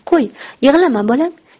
qo'y yig'lama bolam